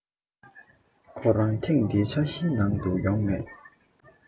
ཁོ རང ཐེང འདི ཆ གཞིའི ནང དུ ཡོང མེད